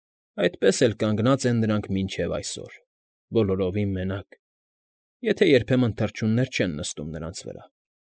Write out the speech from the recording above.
Այդպես էլ կանգնած են նրանք մինչև այսօր, բոլորովին մենակ, եթե երբեմն թռչուններ չեն նստում նրանց վրա։